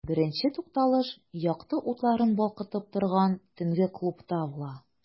Беренче тукталыш якты утларын балкытып торган төнге клубта була.